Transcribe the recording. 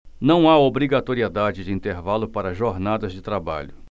não há obrigatoriedade de intervalo para jornadas de trabalho